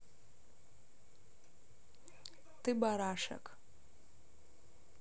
ты барашек